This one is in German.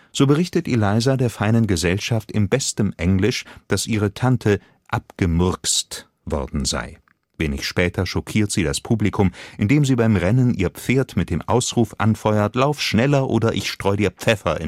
so berichtet Eliza der feinen Gesellschaft im besten Englisch, dass ihre Tante „ abgemurkst “worden sei. Wenig später schockiert sie das Publikum, indem sie beim Rennen ihr Pferd mit dem Ausruf: „ Lauf schneller, oder ich streu dir Pfeffer